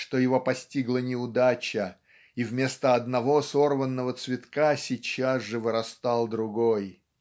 что его постигла неудача и вместо одного сорванного цветка сейчас же вырастал другой?